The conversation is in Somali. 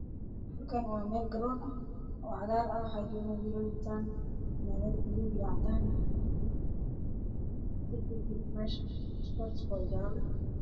Meeshaad waa meel garoon ah waxaa iga muuqdo wiilal fanaanada cadaan ah iyo kuwo buluug ah wata